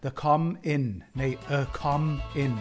The Comm Inn neu y Comm Inn.